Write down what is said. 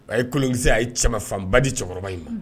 A ye kolonkisɛ a ye cɛman fanba di cɛkɔrɔba in ma